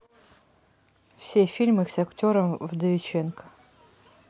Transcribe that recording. все фильмы с актером вдовиченко